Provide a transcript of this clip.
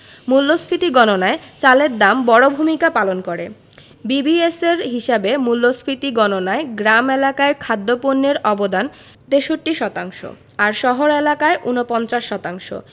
মূল্যস্ফীতি গণনায় চালের দাম বড় ভূমিকা পালন করে বিবিএসের হিসাবে মূল্যস্ফীতি গণনায় গ্রাম এলাকায় খাদ্যপণ্যের অবদান ৬৩ শতাংশ আর শহর এলাকায় ৪৯ শতাংশ